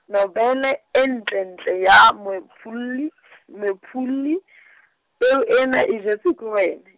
nobele e ntlentle ya Moephuli, Moephuli , peo ene e jwetswe ke wen- .